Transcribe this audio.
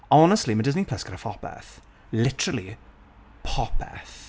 Honestly, ma' Disney Plus gyda phopeth. Literally, popeth.